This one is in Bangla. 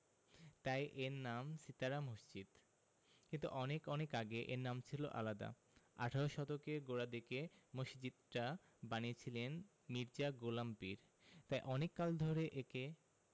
তাই এর নাম সিতারা মসজিদ কিন্তু অনেক অনেক আগে এর নাম ছিল আলাদা আঠারো শতকের গোড়ার দিকে মসজিদটা বানিয়েছিলেন মির্জা গোলাম পীর তাই অনেক কাল ধরে একে